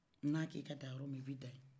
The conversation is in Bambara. n'a ko k'i ka dan yɔrɔ min na i bɛ dan yen